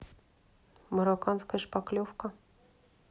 марокканская шпаклевка